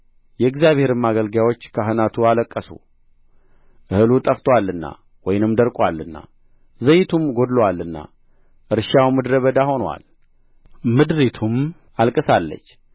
የእግዚአብሔርም አገልጋዮች ካህናቱ አለቀሱ እህሉ ጠፍቶአልና ወይኑም ደርቆአልና ዘይቱም ጐድሎአልና እርሻው ምድረ በዳ ሆኖአል ምድሪቱም አልቅሳለች